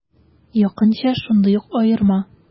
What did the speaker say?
Якынча шундый ук аерма.